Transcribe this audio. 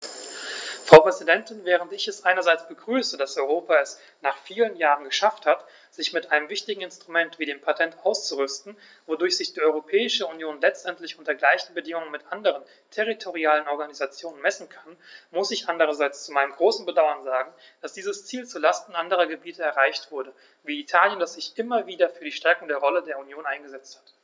Frau Präsidentin, während ich es einerseits begrüße, dass Europa es - nach vielen Jahren - geschafft hat, sich mit einem wichtigen Instrument wie dem Patent auszurüsten, wodurch sich die Europäische Union letztendlich unter gleichen Bedingungen mit anderen territorialen Organisationen messen kann, muss ich andererseits zu meinem großen Bedauern sagen, dass dieses Ziel zu Lasten anderer Gebiete erreicht wurde, wie Italien, das sich immer wieder für die Stärkung der Rolle der Union eingesetzt hat.